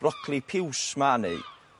brocli piws 'ma neu